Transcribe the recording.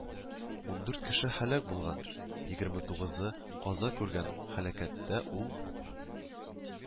Ундүрт кеше һәлак булган, егерме тугызы каза күргән һәлакәттә ул